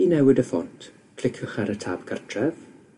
I newid y ffont cliciwch ar y tab Cartref